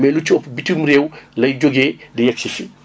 mais li ci ëpp bittim réew lay jógee di yegg si fii